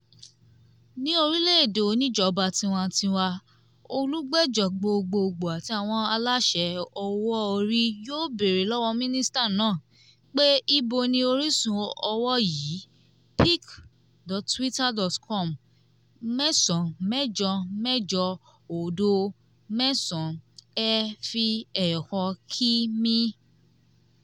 Ní orílẹ̀-èdè oníjọba tiwa-n-tiwa, olùgbẹ́jọ́ gbogboogbò àti àwọn aláṣẹ owó-orí yóò bèèrè lọ́wọ́ mínísítà náà pé íbo ni orísun owó yìí pic.twitter.com/98809Ef1kM